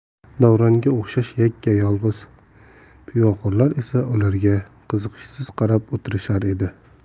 davronga o'xshash yakka yolg'iz pivoxo'rlar esa ularga qiziqishsiz qarab o'tirishar edi